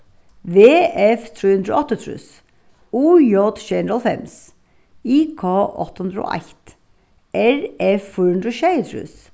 v f trý hundrað og áttaogtrýss u j sjey hundrað og hálvfems i k átta hundrað og eitt r f fýra hundrað og sjeyogtrýss